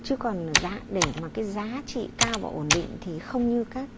chứ còn dạ để mà cái giá trị cao và ổn định thì không như các